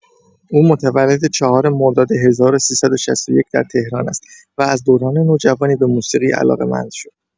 او متولد ۴ مرداد ۱۳۶۱ در تهران است و از دوران نوجوانی به موسیقی علاقه‌مند شد.